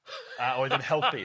...a oedd yn helpu.